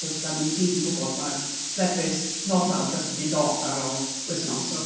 Cos dyna ni'n i gyd yn gwybod mae llefrith normal jyst yn mynd off ar ôl wythnos, so...